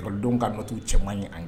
Jɔdenw ka nɔtu u cɛ ye an ye